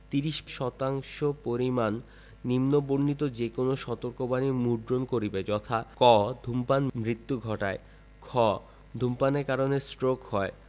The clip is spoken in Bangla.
৩০ শতাংশ পরিমাণ নিম্নবণিত যে কোন সতর্কবাণী মুদ্রণ করিবে যথা ক ধূমপান মৃত্যু ঘটায় খ ধূমপানের কারণে ষ্ট্রোক হয়